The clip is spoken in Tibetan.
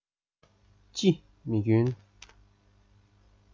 ཅི མི སྐྱོན